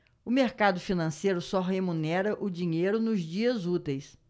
o mercado financeiro só remunera o dinheiro nos dias úteis